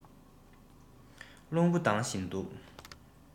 རླུང བུ ལྡང བཞིན འདུག